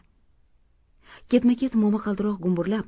ketma ket momaqaldiroq gumburlab